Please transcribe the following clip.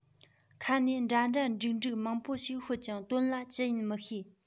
ཁ ནས འདྲ འདྲ འགྲིག འགྲིག མང པོ ཞིག ཤོད ཀྱང དོན ལ ཇི ཡིན མི ཤེས